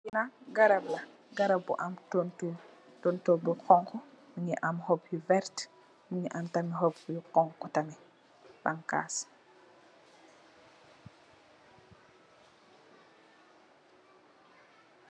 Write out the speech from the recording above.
Li nak garap la, garap bu am tontorr bu xonxu, mugii am xop yu werta mugii am tamit xop yu xonxu tamit banxas.